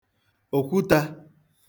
okwuta